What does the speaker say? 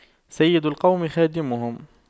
سيد القوم خادمهم